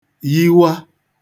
yiwa